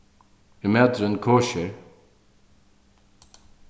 er maturin kosher